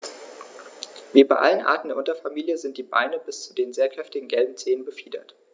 Wie bei allen Arten der Unterfamilie sind die Beine bis zu den sehr kräftigen gelben Zehen befiedert.